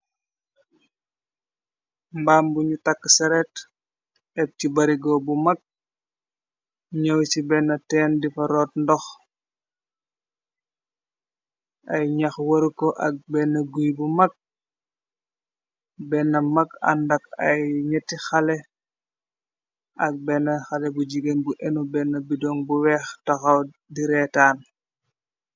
Mbaam bu nu takk saret éb ci barigo bu mag ñoow ci benn tenn di fa root ndox ay ñax weru ko ak benn guy bu mag benn mag àndak ay ñetti xale ak benn xale bu jigéen bu enu benn bidoŋ bu weex taxaw di reetaan.